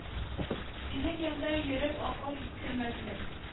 Синең янда йөреп акыл кермәсме